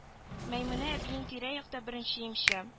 Мәймүнә әбиең тирә-якта беренче имче